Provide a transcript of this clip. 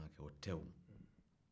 o tɛ o